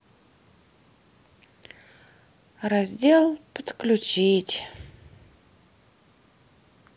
раздел подключить